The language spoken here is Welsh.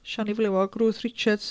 Siani Flewog, Ruth Richards.